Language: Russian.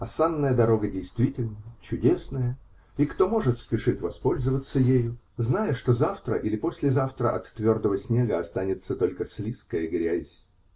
А санная дорога действительно чудесная, и кто может, спешит воспользоваться ею, зная, что завтра или послезавтра от твердого снега останется только слизкая грязь.